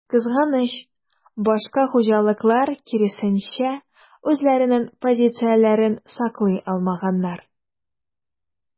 Кызганыч, башка хуҗалыклар, киресенчә, үзләренең позицияләрен саклый алмаганнар.